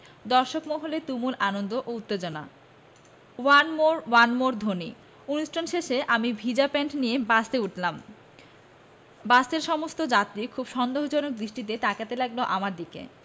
দর্শক মহলে তুমুল আনন্দ ও উত্তেজনাওয়ান মোর ওয়ান মোর ধ্বনি অনুষ্ঠান শেষে আমি ভিজা প্যান্ট নিয়ে বাসে উঠলাম বাসের সমস্ত যাত্রী খুব সন্দেহজনক দৃষ্টিতে তাকাতে লাগলো আমার দিকে